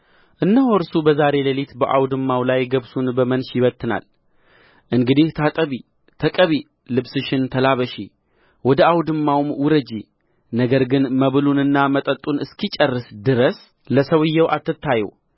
እነሆ እርሱ በዛሬ ሌሊት በአውድማው ላይ ገብሱን በመንሽ ይበትናል እንግዲህ ታጠቢ ተቀቢ ልብስሽን ተላበሺ ወደ አውድማውም ውረጂ ነገር ግን መብሉንና መጠጡን እስኪጨርስ ድረስ ለሰውዮው አትታዪው